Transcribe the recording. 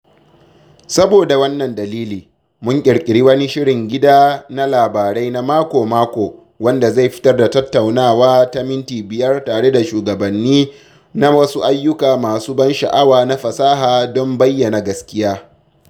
Saboda wannan dalili, mun ƙirƙiri wani shirin gida na labarai na mako-mako wanda zai fitar da tattaunawa ta minti biyar tare da shugabanni na wasu ayyuka masu ban sha'awa na fasaha don bayyana gaskiya.